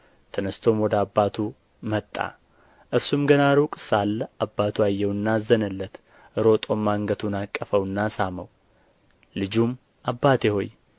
ተነሥቶም ወደ አባቱ መጣ እርሱም ገና ሩቅ ሳለ አባቱ አየውና አዘነለት ሮጦም አንገቱን አቀፈውና ሳመው ልጁም አባቴ ሆይ